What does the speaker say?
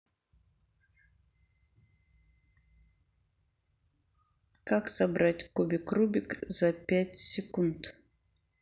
как собрать кубик рубик за пять секунд